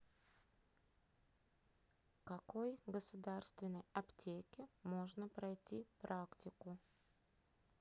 какой государственной аптеке можно пройти практику